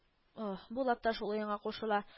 О булат та шул уенга кушыла